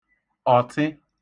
ọ̀ṫị